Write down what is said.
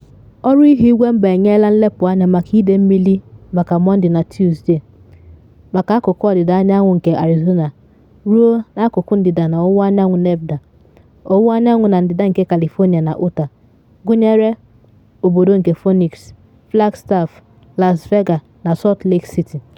Ọrụ Ihuigwe Mba enyela nlepụ anya maka ide mmiri maka Mọnde na Tusde maka akụkụ ọdịda anyanwụ nke Arizona ruo n’akụkụ ndịda na ọwụwa anyanwụ Nevada, ọwụwa anyanwụ na ndịda nke California na Utah, gụnyere obodo nke Phoenix, Flagstaff, Las Vegas, na Salt Lake City.